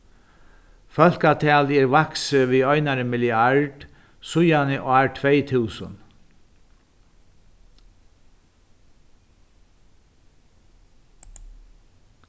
fólkatalið er vaksið við einari milliard síðani ár tvey túsund